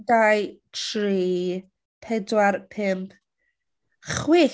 Dau, tri, pedwar, pump, chwech!